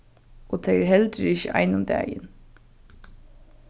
og tað er heldur ikki ein um dagin